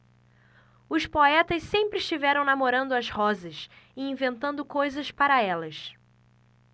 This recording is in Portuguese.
os poetas sempre estiveram namorando as rosas e inventando coisas para elas